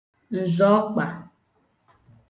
ǹzọ̀ọkpà